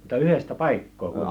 mutta yhdestä paikkaa kuitenkin